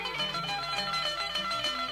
San yo